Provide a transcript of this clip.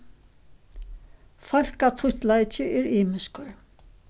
fólkatíttleiki er ymiskur